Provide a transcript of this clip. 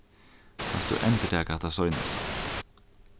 kanst tú endurtaka hatta seinasta